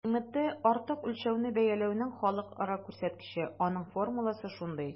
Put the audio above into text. ИМТ - артык үлчәүне бәяләүнең халыкара күрсәткече, аның формуласы шундый: